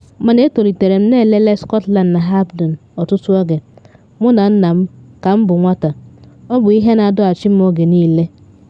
“Mana etolitere m na elele Scotland na Hampden ọtụtụ oge, mụ na nna m ka m bụ nwata, ọ bụ ihe na adọghachi m oge niile.